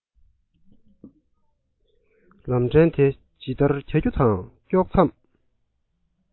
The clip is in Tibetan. ལམ ཕྲན དེ ཇི ལྟར གྱ གྱུ དང དཀྱོགས མཚམས